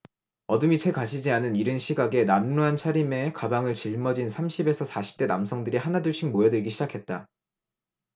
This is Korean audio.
어둠이 채 가시지 않은 이른 시각에 남루한 차림에 가방을 짊어진 삼십 에서 사십 대 남성들이 하나둘씩 모여들기 시작했다